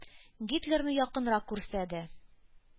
Гитлерны якынрак күрсә дә,